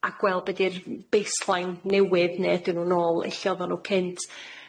a gweld be' 'di'r m- baseline newydd, ne ydyn nw'n ôl yn lle oddan nw cynt